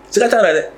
Tiga ka taa yɛrɛ dɛ